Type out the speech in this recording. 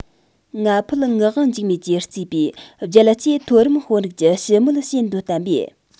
ང ཕོད ངག དབང འཇིགས མེད ཀྱིས གཙོས པའི རྒྱལ གཅེས མཐོ རིམ དཔོན རིགས ཀྱིས ཞི མོལ བྱེད འདོད བསྟན པས